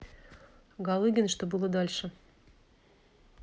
галыгин что было дальше